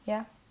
Ia.